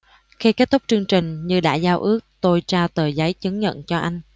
khi kết thúc chương trình như đã giao ước tôi trao tờ giấy chứng nhận cho anh